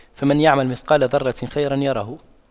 فَمَن يَعمَل مِثقَالَ ذَرَّةٍ خَيرًا يَرَهُ